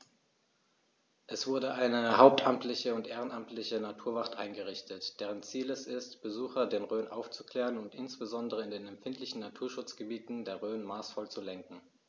Es wurde eine hauptamtliche und ehrenamtliche Naturwacht eingerichtet, deren Ziel es ist, Besucher der Rhön aufzuklären und insbesondere in den empfindlichen Naturschutzgebieten der Rhön maßvoll zu lenken.